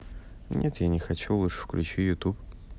нет я не хочу лучше включи youtube